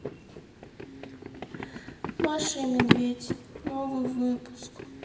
маша и медведь новый выпуск